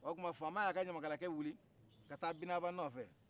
o tuma fama y'a ka ɲamakalakɛ wili ka taa binaba nɔfɛ